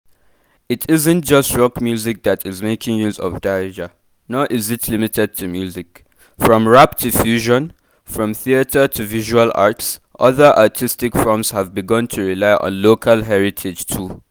It isn't just rock music that is making use of Darija, nor is it limited to music: from rap to fusion, from theater to visual arts, other artistic forms have begun to rely on local heritage too.